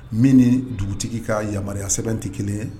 Min ni dugutigi ka yamaruyaya sɛbɛn tɛ kelen ye